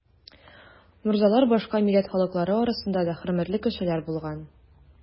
Морзалар башка милләт халыклары арасында да хөрмәтле кешеләр булган.